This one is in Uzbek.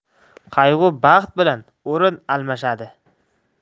qayg'u baxt bilan o'rin almashadi